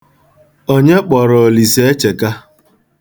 Onye kpọrọ Olisaecheka?